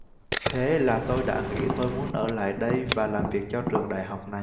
thế là tôi đã nghĩ tôi muốn ở lại đây và làm việc cho trường đại học này